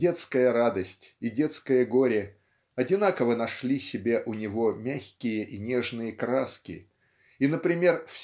Детская радость и детское горе одинаково нашли себе у него мягкие и нежные краски и например